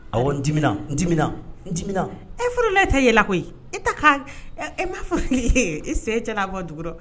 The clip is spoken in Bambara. A n dimina n diminmina n dimina e furula tɛ yɛlɛ koyi i ta' e m'a fɔ ye i sen cɛla bɔ dugu la